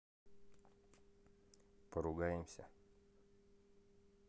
поругаемся